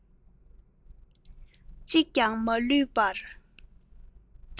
གཅིག ཀྱང མ ལུས པར